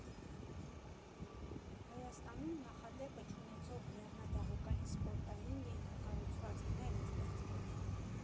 Հայաստանում նախադեպը չունեցող լեռնադահուկային սպորտային ենթակառուցվածքներ են ստեղծվելու։